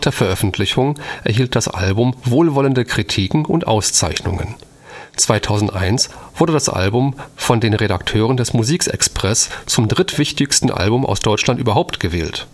Veröffentlichung erhielt das Album wohlwollende Kritiken und Auszeichnungen. 2001 wurde das Album von den Redakteuren des Musikexpress zum drittwichtigsten Album aus Deutschland überhaupt gewählt